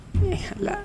Mɛ ha